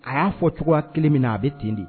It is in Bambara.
A y'a fɔ cogo kelen min na a bɛ t di